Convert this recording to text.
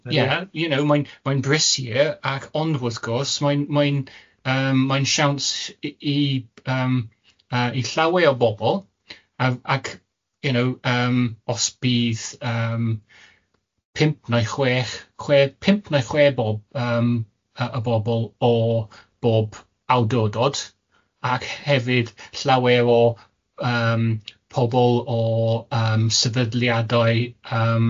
ie you know mae'n mae'n brysur ac ond wrth gwrs mae'n mae'n yym mae'n siawns i yym yy i llawer o bobl, ac you know yym os bydd yym pump nai chwech, chwe- pump neu chwe bob yym yy y bobol o bob awdydod ac hefyd llawer o yym pobol o yym sefydliadau yym